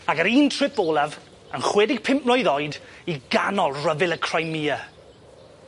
Ag yr un trip olaf, yn chwedeg pump mlwydd oed, i ganol rhyfil y Crimea.